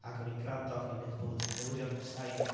ac o'n i'n gwrando, ac o'n i'n wneud y bulletins newyddion, wneud y sain ac,